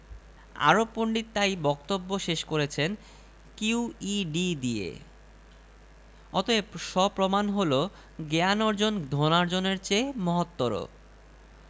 বইগুলো নষ্ট হচ্ছে গোটাকয়েক শেল্ফ যোগাড় করছ না কেন মার্ক টুয়েন খানিকক্ষণ মাথা নিচু করে ঘাড় চুলকে বললেন ভাই বলেছ ঠিকই